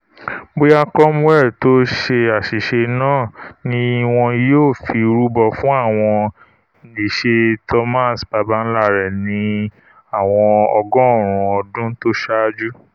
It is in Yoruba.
Bóyá Cromwell tó ṣe àṣìṣe náà ni wọn yóò fi rúbọ fún àwọn ìṣe Thomas baba-ńlá rẹ̀ ní àwọn ọgọ́ọ̀rún ọdún tó saájú.